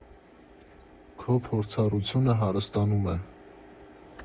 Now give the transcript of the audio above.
Քո փորձառությունը հարստանում է։